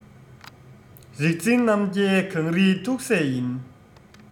རིག འཛིན རྣམ རྒྱལ གངས རིའི ཐུགས སྲས ཡིན